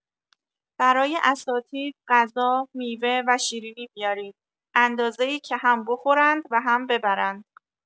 برای اساتید غذا، میوه و شیرینی بیارید، اندازه‌ای که هم بخورند و هم ببرند.